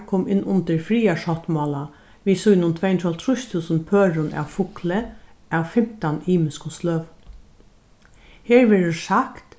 kom inn undir friðarsáttmála við sínum tvey hundrað og hálvtrýss túsund pørum av fugli av fimtan ymiskum sløgum her verður sagt